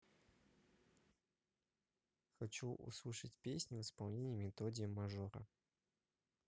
хочу услышать песни в исполнении методия мажора